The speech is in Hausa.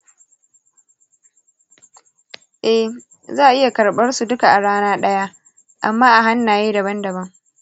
eh, za a iya karɓar su duka a rana ɗaya, amma a hannaye daban-daban.